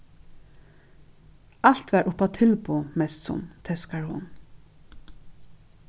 alt var uppá tilboð mestsum teskar hon